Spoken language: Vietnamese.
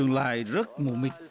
tương lai rất mù mịt